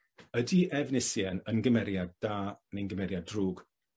Ydi Efnisien yn gymeriad da neu'n gymeriad drwg?